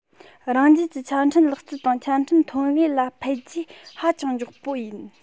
རང རྒྱལ གྱི ཆ འཕྲིན ལག རྩལ དང ཆ འཕྲིན ཐོན ལས ལ འཕེལ རྒྱས ཧ ཅང མགྱོགས པོ ཡིན